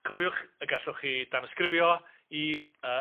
Cofiwch y gallwch chi danysgrifio i yy...